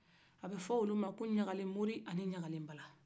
a bɛ fɔ olu ma ko ɲakalen mori ani ɲakalen bala